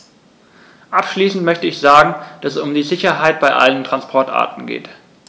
Abschließend möchte ich sagen, dass es um die Sicherheit bei allen Transportarten geht.